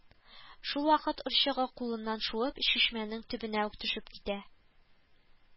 Шулвакыт орчыгы кулыннан шуып, чишмәнең төбенә үк төшеп китә